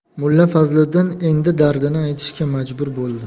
mulla fazliddin endi dardini aytishga majbur bo'ldi